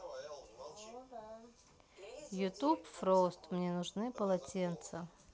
youtube frost мне нужны полотенца